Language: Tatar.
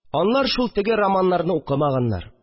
Анлар шул теге романнарны укымаганнар